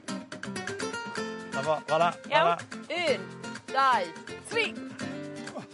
'Na fo felna felna. Iawn? Un, dau, tri.